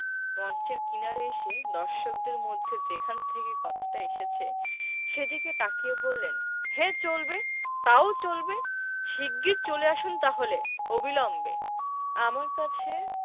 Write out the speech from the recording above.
মঞ্চের কিনারে এসে দর্শকদের মধ্যে যেখান থেকে কথাটা এসেছে সেদিকে তাকিয়ে বললেন হ্যাঁ চলবে তাও চলবে শিগগির চলে আসুন তাহলে অবিলম্বে আমার কাছে